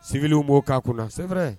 Sibivw b'o k'a kunna sɛɛrɛ